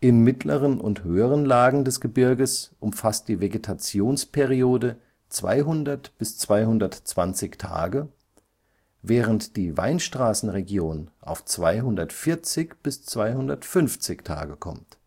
mittleren und höheren Lagen des Gebirges umfasst die Vegetationsperiode 200 bis 220 Tage, während die Weinstraßenregion auf 240 bis 250 Tage kommt